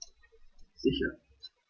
Sicher.